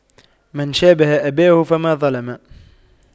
من شابه أباه فما ظلم